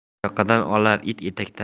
yot yoqadan olar it etakdan